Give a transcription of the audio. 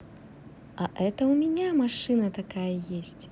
а это у меня машина такая есть